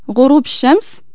غروب الشمش